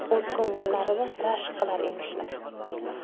o'z ko'ngillarida rashk qilar emishlar